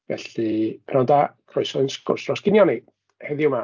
Felly, pnawn da, croeso i'n sgwrs dros ginio ni heddiw 'ma.